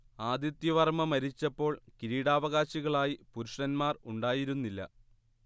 ആദിത്യവർമ്മ മരിച്ചപ്പോൾ കിരീടാവകാശികളായി പുരുഷന്മാർ ഉണ്ടായിരുന്നില്ല